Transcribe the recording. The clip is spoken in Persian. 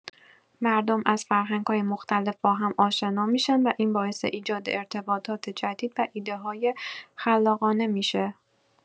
مردم از فرهنگ‌های مختلف با هم آشنا می‌شن و این باعث ایجاد ارتباطات جدید و ایده‌های خلاقانه می‌شه.